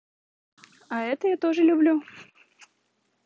а это я тоже люблю